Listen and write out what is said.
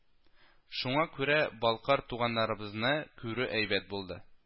Шуңа күрә балкар туганнарыбызны күрү әйбәт булды